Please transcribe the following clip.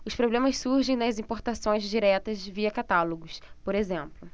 os problemas surgem nas importações diretas via catálogos por exemplo